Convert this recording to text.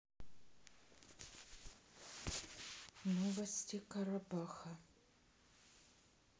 новости карабаха